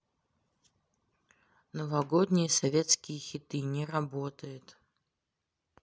новогодние советские хиты не работает